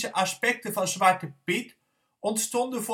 aspecten van Zwarte Piet ontstonden